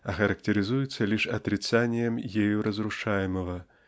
а характеризуется лишь отрицанием ею разрушаемого